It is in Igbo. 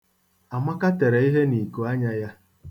Amaka tere ihe n'ikuanya ya.